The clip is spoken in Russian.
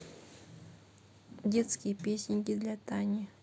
детские песенки для тани